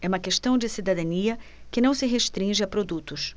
é uma questão de cidadania que não se restringe a produtos